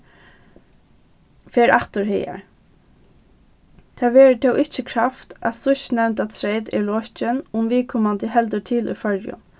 fer aftur hagar tað verður tó ikki kravt at síðstnevnda treyt er lokin um viðkomandi heldur til í føroyum